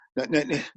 na ne- ne